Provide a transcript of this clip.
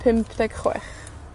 pump deg chwech.